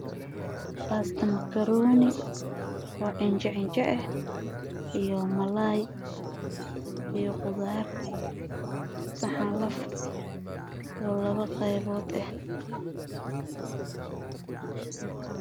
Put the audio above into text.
Waa saxan cadaan waxaa ku jira bariis iyo qudaar